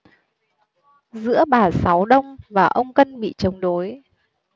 giữa bà sáu đông và ông cân bị chống đối